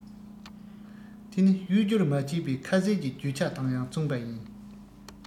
དེ ནི གཡོས སྦྱོར མ བྱས པའི ཁ ཟས ཀྱི རྒྱུ ཆ དང ཡང མཚུངས པ ཡིན